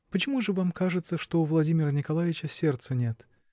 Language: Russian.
-- Почему же вам кажется, что у Владимира Николаича сердца нет?